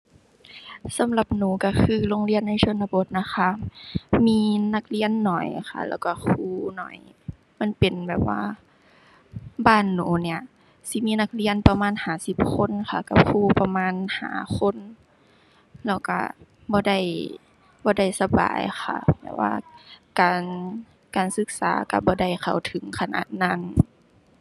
สำหรับหนูก็คือโรงเรียนในชนบทนะคะ มีนักเรียนน้อยค่ะ แล้วก็ครูน้อย มันเป็นแบบว่าบ้านหนูเนี่ยสิมีนักเรียนประมาณห้าสิบคนค่ะ กับครูประมาณห้าคน แล้วก็บ่ได้ บ่ได้สบายค่ะ แต่ว่าการ การศึกษาก็บ่ได้เข้าถึงขนาดนั้น